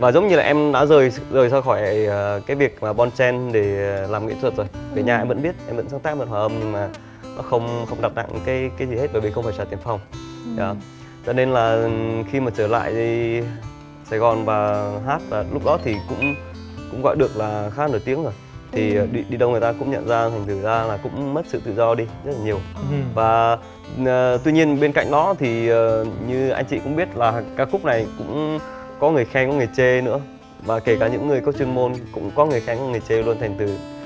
và giống như là em đã rời sự rời ra khỏi à cái việc là bon chen để làm nghệ thật rồi ở nhà em vẫn viết em vẫn sáng tác một hòa âm nhưng mà nó không không đập tạng cái cái gì hết bởi vì không phải sở tiến phòng đó cho nên là ừm khi mà trở lại thì sài gòn và hát và lúc đó thì cũng cũng gọi được là khá nổi tiếng rồi thì à đi đi đâu người ta cũng nhận ra thành thử ra là cũng mất sự tự do đi rất là nhiều và ờ tuy nhiên bên cạnh nó thì ờ như anh chị cũng biết là ca khúc này cũng có người khen có người chê nữa mà kể cả những người có chuyên môn cũng có người khen có người chê luôn thành thử